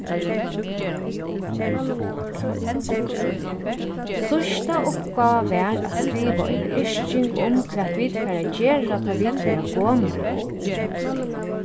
síðsta uppgáva var at skriva eina yrking um hvat vit fara at gera tá ið vit verða gomul